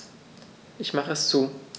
Ich mache es zu.